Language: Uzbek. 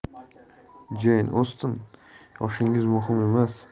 jeyn ostin yoshingiz muhim emas